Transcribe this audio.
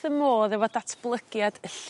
'ym modd efo datblygiad